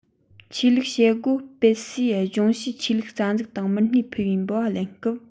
ཆོས ལུགས བྱེད སྒོ སྤེལ སས ལྗོངས ཕྱིའི ཆོས ལུགས རྩ འཛུགས དང མི སྣས ཕུལ བའི འབུལ བ ལེན སྐབས